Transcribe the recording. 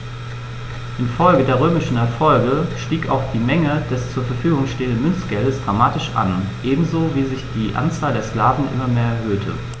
Infolge der römischen Erfolge stieg auch die Menge des zur Verfügung stehenden Münzgeldes dramatisch an, ebenso wie sich die Anzahl der Sklaven immer mehr erhöhte.